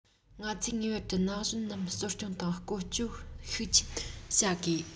ང ཚོས ངེས པར དུ ན གཞོན རྣམས གསོ སྐྱོང དང བསྐོ སྤྱོད ཤུགས ཆེན བྱ དགོས